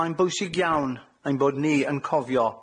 Mae'n bwysig iawn ein bod ni yn cofio.